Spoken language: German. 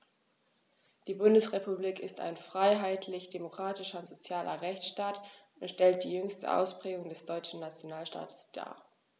Die Bundesrepublik ist ein freiheitlich-demokratischer und sozialer Rechtsstaat und stellt die jüngste Ausprägung des deutschen Nationalstaates dar.